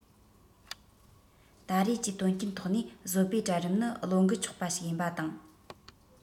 ད རེས ཀྱི དོན རྐྱེན ཐོག ནས བཟོ པའི གྲལ རིམ ནི བློས འགེལ ཆོག པ ཞིག ཡིན པ དང